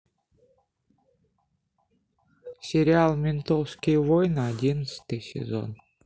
сериал ментовские войны одиннадцатый сезон